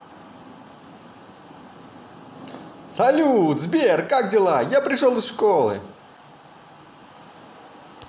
салют сбер как дела я пришел из школы